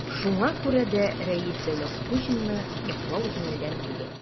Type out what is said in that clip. Шуңа күрә дә Рәис Дәүләткуҗинны яклау җиңелдән түгел.